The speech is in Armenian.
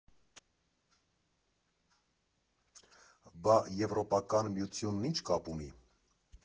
Բա Եվրոպական միությու՞նն ինչ կապ ունի։